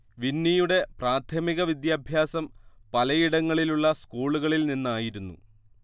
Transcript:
വിന്നിയുടെ പ്രാഥമിക വിദ്യാഭ്യാസം പലയിടങ്ങളിലുള്ള സ്കൂളുകളിൽ നിന്നായിരുന്നു